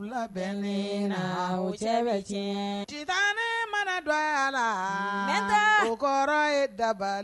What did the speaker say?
bɛn nin na, u cɛ bɛ tiɲɛ. Sitanɛ mana don a laa. E Keyita. O kɔrɔ ye dabali